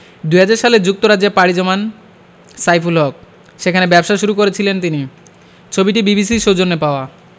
২০০০ সালে যুক্তরাজ্যে পাড়ি জমান সাইফুল হক সেখানে ব্যবসা শুরু করেছিলেন তিনি ছবিটি বিবিসির সৌজন্যে পাওয়া